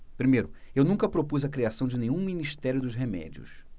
primeiro eu nunca propus a criação de nenhum ministério dos remédios